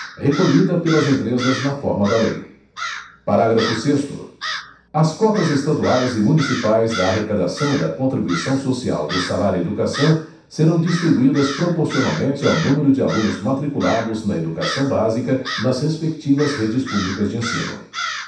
recolhida pelas empresas na forma da lei parágrafo sexto as cotas estaduais e municipais da arrecadação da contribuição social do salário educação serão distribuídas proporcionalmente ao número de alunos matriculados na educação básica nas respectivas redes públicas de ensino